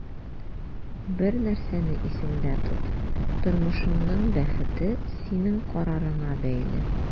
Бер нәрсәне исеңдә тот: тормышыңның бәхете синең карарыңа бәйле.